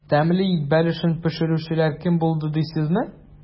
Тәмле ит бәлешен пешерүчеләр кем булды дисезме?